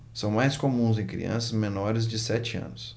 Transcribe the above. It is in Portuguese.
são mais comuns em crianças menores de sete anos